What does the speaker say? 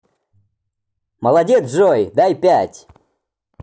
молодец джой на пять